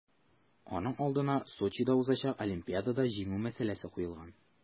Аның алдына Сочида узачак Олимпиадада җиңү мәсьәләсе куелган.